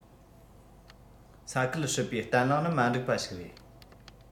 ས ཁུལ ཧྲིལ པོའི བརྟན ལྷིང ནི མ འགྲིག པ ཞིག རེད